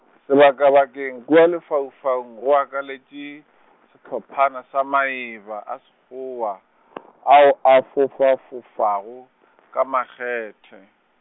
sebakabakeng kua lefaufaung go akaletše, sehlophana sa maeba a Sekgowa, ao a fofafofago ka makgethe.